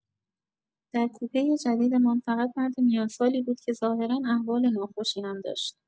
در کوپۀ جدیدمان فقط مرد میانسالی بود که ظاهرا احوال ناخوشی هم داشت.